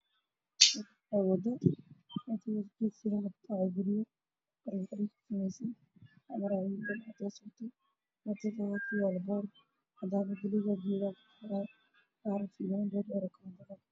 Meeshaan oo meel waddo ah waxaan marayo nin wata shaati qaxo oo ay su-aal buluuga waxaa ka dambeeya boor ganacsi